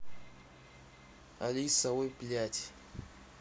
алиса ой блядь